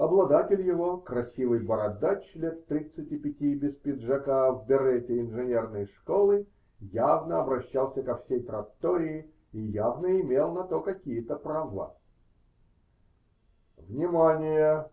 Обладатель его, красивый бородач лет тридцати пяти, без пиджака, в берете инженерной школы, явно обращался ко всей траттории и явно имел на то какие-то права. -- Внимание!